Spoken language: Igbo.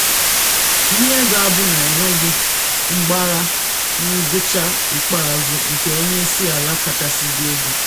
N’ihe ga-abụ na enweghị mgbagha “Ngwụcha ikpeazụ nke onye isi ala kachasị dị egwu!”